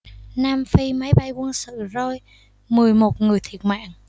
nam phi máy bay quân sự rơi mười một người thiệt mạng